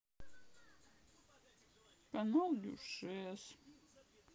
канал дюшес